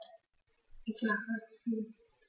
Ich mache es zu.